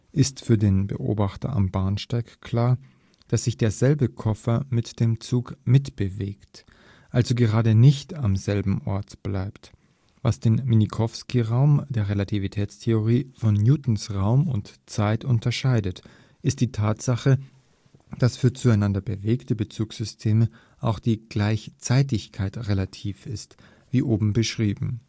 ist für den Beobachter am Bahnsteig klar, dass sich derselbe Koffer mit dem Zug mitbewegt, also gerade nicht am selben Ort bleibt. Was den Minkowski-Raum der Relativitätstheorie von Newtons Raum und Zeit unterscheidet, ist die Tatsache, dass für zueinander bewegte Bezugssysteme auch die GleichZEITigkeit relativ ist, wie oben beschrieben